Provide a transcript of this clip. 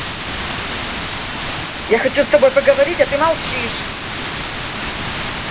я хочу с тобой поговорить а ты молчишь